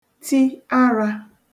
ti arā